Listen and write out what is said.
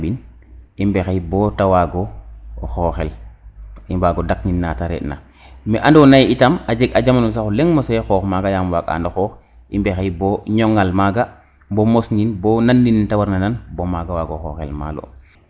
i mbexey bo te wago o xoxel i mbago daknin nate re ina me ando naye itam a jeg jamano sax o leng mose oox maga yaam waag ando xoox i mbexey bo njogal maga bo mos nin bo nan nin nete warna nan bo maga wago xoxel maalo